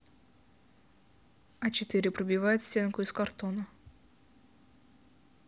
а четыре пробивает стенку из картона